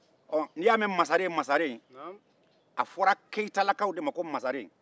ɔ n'i y'a mɛn ko masaren masaren o fɔra keyitalakaw de ma ko masaren